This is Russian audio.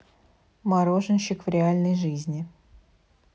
мороженщик в реальной жизни